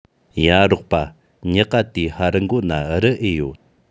ཡ རོགས པ ཉག ག དེའི ཧར འགོ ན རུ ཨེ ཡོད